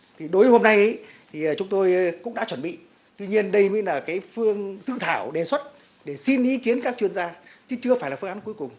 thì đối hôm này thì chúng tôi cũng đã chuẩn bị tuy nhiên đây mới là cái phương dự thảo đề xuất để xin ý kiến các chuyên gia chứ chưa phải là phương án cuối cùng